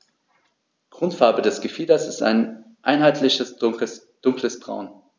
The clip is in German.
Grundfarbe des Gefieders ist ein einheitliches dunkles Braun.